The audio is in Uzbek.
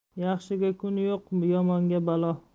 yaxshiga kun yo'q yomonga balo